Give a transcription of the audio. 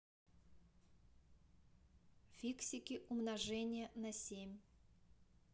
фиксики умножение на семь